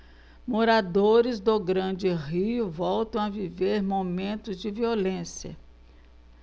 moradores do grande rio voltam a viver momentos de violência